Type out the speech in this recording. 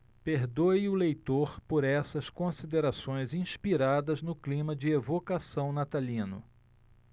perdoe o leitor por essas considerações inspiradas no clima de evocação natalino